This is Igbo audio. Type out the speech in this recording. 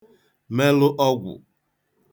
melụ ọgwụ̀